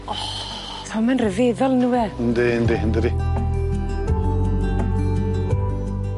O t'o' ma'n ryfeddol on'd yw e? Yndi yndi yndydi?